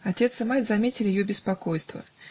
Отец и мать заметили ее беспокойство